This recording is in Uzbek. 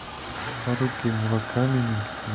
xaruki murakamining norvegiya